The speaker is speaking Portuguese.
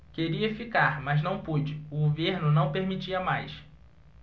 queria ficar mas não pude o governo não permitia mais